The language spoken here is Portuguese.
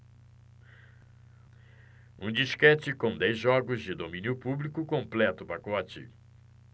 um disquete com dez jogos de domínio público completa o pacote